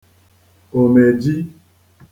òmeji